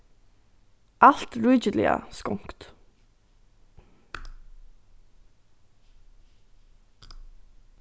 alt ríkiliga skonkt